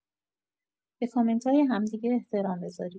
به کامنتای هم دیگه احترام بزارید.